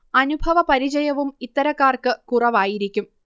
അനുഭവ പരിചയവും ഇത്തരക്കാർക്ക് കുറവായിരിക്കും